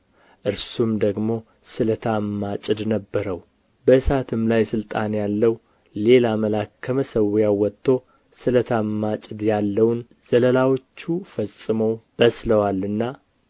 እርሱም ደግሞ ስለታም ማጭድ ነበረው በእሳትም ላይ ሥልጣን ያለው ሌላ መልአክ ከመሠዊያው ወጥቶ ስለታም ማጭድ ያለውን ዘለላዎቹ ፈጽመው በስለዋልና